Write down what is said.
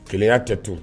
Kɛlɛya tɛ to